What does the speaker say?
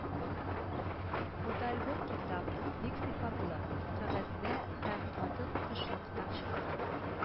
Фотоальбом-китап бик сыйфатлы кәгазьдә һәм каты тышлыкта чыккан